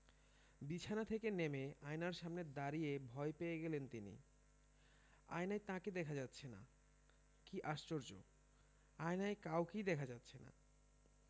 বিছানা থেকে নেমে আয়নার সামনে দাঁড়িয়ে ভয় পেয়ে গেলেন তিনি আয়নায় তাঁকে দেখা যাচ্ছে না কী আশ্চর্য আয়নায় কাউকেই দেখা যাচ্ছে না